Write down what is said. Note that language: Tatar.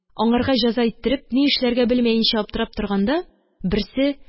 Аңарга җәза иттереп ни эшләргә белмәенчә аптырап торганда, берсе: